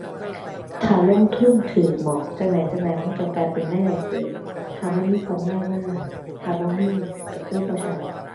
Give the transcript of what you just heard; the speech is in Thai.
ถ้าลงทุนถูกหม้อง จั่งใดจั่งใดมันถูกเป็นรายได้เสริม ถ้ามันมีกำไรมา ถ้าบ่มีถูกคือบ่ใช่